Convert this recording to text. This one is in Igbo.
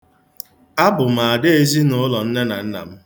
Abụ m ada ezinụlọ nne na nna m.